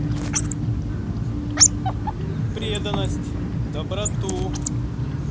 преданность доброту